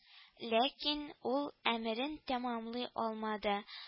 Ләкин ул әмерен тәмамлый алмады